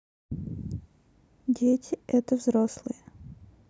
дети это взрослые